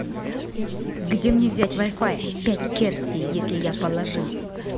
где мне взять вай фай пять керсти если я положи